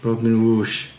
Robin Whoosh.